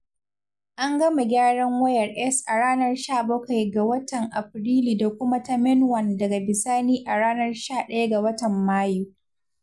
An gama gyaran wayar ACE a ranar 17 ga watan Afirilu da kuma ta 'MainOne' daga bisani a ranar 11 ga watan Mayu.